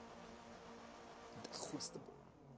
да хуй с тобой